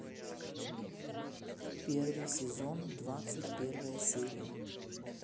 первый сезон двадцать первая серия